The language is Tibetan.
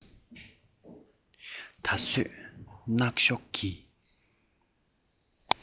ད བཟོད སྣག ཤོག གི